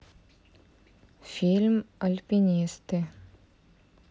фильм альпинисты